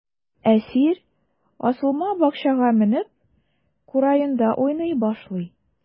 Әсир асылма бакчага менеп, кураенда уйный башлый.